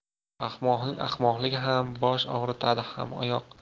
ahmoqning ahmoqligi ham bosh og'ritadi ham oyoq